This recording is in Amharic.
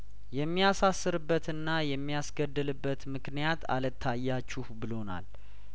የሚያሳስርበትና የሚያስገድልበት ምክንያት አልታያችሁ ብሎናል